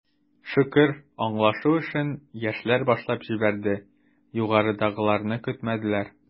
Шөкер, аңлашу эшен, яшьләр башлап җибәрде, югарыдагыларны көтмәделәр.